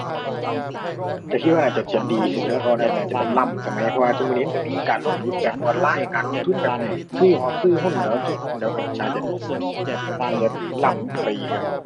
ก็คิดว่าน่าจะ จะดีขึ้นกว่าเก่านะครับ น่าจะแบบล้ำสมัย เพราะว่าซุมื้อนี้มันก็มีการลงทุนแบบออนไลน์ การลงทุนแบบ ซื้อหอก ซื้อหุ้น เดี๋ยวจะ เดี๋ยวก็ น่าจะ น่าจะล้ำไปอีกอะครับ